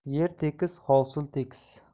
yer tekis hosil tekis